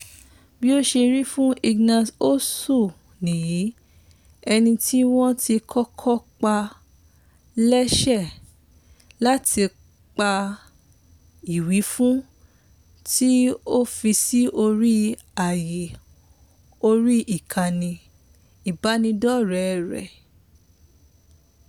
Bí ó ṣe rí fún Ignace Sossou nìyìí, ẹni tí wọ́n ti kọ́kọ́ pa láṣẹ láti pa ìwífún tí ó fi sí orí àyè orí ìkànnì ìbánidọ́rẹ̀ẹ́ rẹ̀ rẹ́.